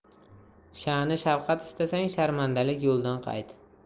sha'ni shavqat istasang sharmandalik yo'ldan qayt